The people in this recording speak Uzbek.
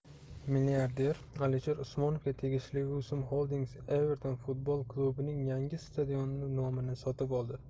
milliarder alisher usmonovga tegishli usm holdings everton futbol klubining yangi stadioni nomini sotib oldi